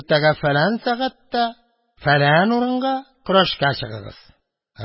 Иртәгә фәлән сәгатьтә фәлән урынга көрәшкә чыгыгыз.